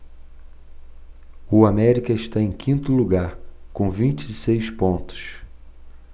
o américa está em quinto lugar com vinte e seis pontos